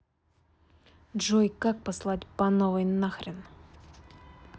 джой как послать пановой нахрен